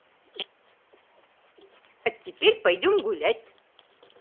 а теперь пойдем гулять